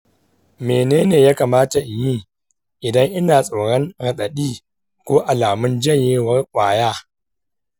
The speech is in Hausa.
menene ya kamata in yi idan ina tsoron raɗaɗi ko alamun janyewar ƙwaya?